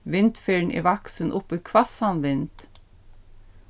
vindferðin er vaksin upp í hvassan vind